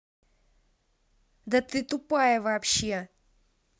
да ты тупая вообще